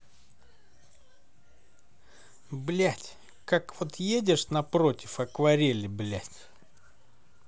блядь как вот едешь напротив акварели блядь